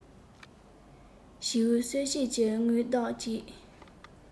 བྱིའུ གསོད བྱེད ཀྱི མདའ སྤུས དག གཅིག